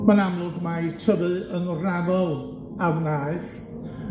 Ma'n amlwg mai tyfu yn raddol a wnaeth,